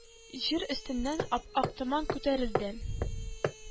Җир өстеннән ап-ак томан күтәрелде.